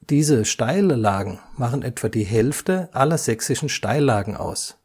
Diese Steillagen machen etwa die Hälfte aller sächsischen Steillagen aus.